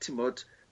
t'mbod